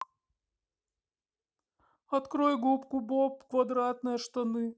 открой губку боб квадратные штаны